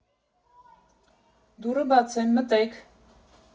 Դուռը բաց է, մտե՛ք։